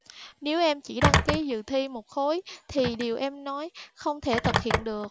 nếu em chỉ đăng ký dự thi một khối thì điều em nói không thể thực hiện được